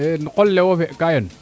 e no qol lewo fe ka